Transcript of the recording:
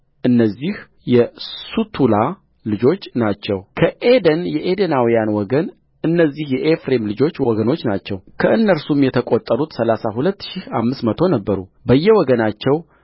እነዚህ የሱቱላ ልጆች ናቸው ከዔዴን የዔዴናውያን ወገን ከዔዴን የዔዴናውያና ወገንእነዚህ የኤፍሬም ልጆች ወገኖች ናቸው ከእነርሱም የተቈጠሩት ሠላሳ ሁለት ሺህ አምስት መቶ ነበሩ በየወገናቸው